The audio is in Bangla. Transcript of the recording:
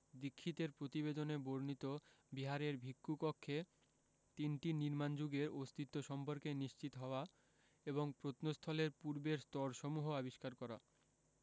দীক্ষিতের প্রতিবেদনে বর্ণিত বিহারের ভিক্ষু কক্ষে তিনটি নির্মাণ যুগের অস্তিত্ব সম্পর্কে নিশ্চিত হওয়া এবং প্রত্নস্থলের পূর্বের স্তরসমূহ আবিষ্কার করা